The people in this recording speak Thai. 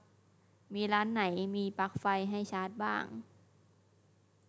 มีร้านไหนมีปลั๊กไฟให้ชาร์จบ้าง